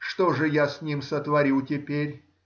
Что же я с ним сотворю теперь?